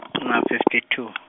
ngina fifty two.